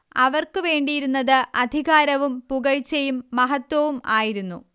അവർക്കുവേണ്ടിയിരുന്നത് അധികാരവും പുകഴ്ച്ചയും മഹത്ത്വവും ആയിരുന്നു